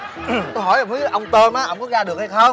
tôi hỏi ông tôm ông có ra được hay không